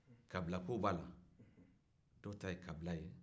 kabila ko b'a la dɔw ta ye kabila ye